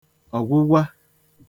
ọ̀gwugwa